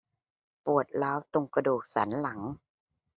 ปวดร้าวตรงกระดูกสันหลัง